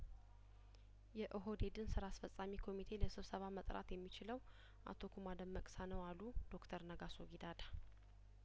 የኦህዴድን ስራ አስፈጻሚ ኮሚቴ ለስብሰባ መጥራት የሚችለው አቶ ኩማ ደመቅሳ ነው አሉ ዶክተር ነጋሶ ጊዳዳ